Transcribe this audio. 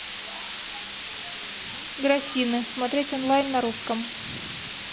гриффины смотреть онлайн на русском